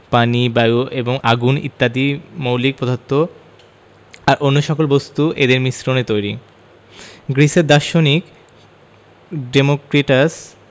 পানি বায়ু এবং আগুন ইত্যাদি মৌলিক পদার্থ আর অন্য সকল বস্তু এদের মিশ্রণে তৈরি গ্রিসের দার্শনিক ডেমোক্রিটাস